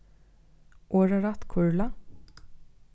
orðarætt kurla